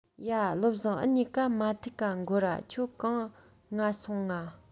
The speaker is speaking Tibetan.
ཡ བློ བཟང འུ གཉིས ཀ མ ཐུག ག འགོར ར ཁྱོད གང ང སོང ང